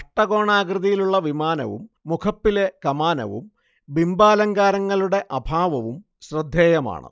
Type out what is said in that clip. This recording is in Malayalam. അഷ്ടകോണാകൃതിയിലുള്ള വിമാനവും മുഖപ്പിലെ കമാനവും ബിംബാലങ്കാരങ്ങളുടെ അഭാവവും ശ്രദ്ധേയമാണ്